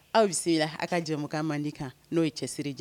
Aw bɛ se aw ka jamakan man di kan n'o ye cɛsiri jan